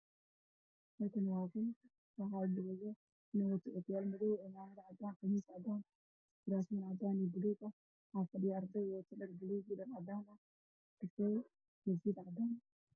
Waxaa ka muuqdo ilmo yar yar oo ku fadhiyo kuraas cadaan waxaana dhex taagan nin qamiis cadaannah qabo iyo cimaamad cadaan ah